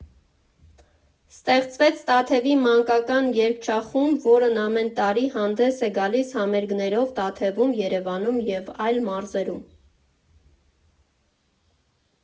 Ստեղծվեց Տաթևի մանկական երգչախումբը, որն ամեն տարի հանդես է գալիս համերգներով Տաթևում, Երևանում և այլ մարզերում։